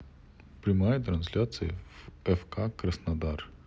прямая трансляция фк краснодар